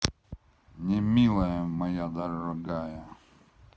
не милая моя дорогая